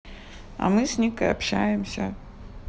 а мы с никой общаемся